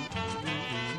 Sa